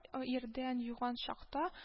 Йөрдән юган чакта